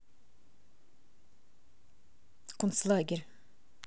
концлагерь